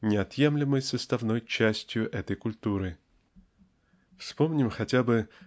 неотъемлемой составной частью этой культуры. Вспомним хотя бы